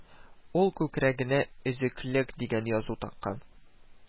Ул күкрәгенә «Өзеклек» дигән язу таккан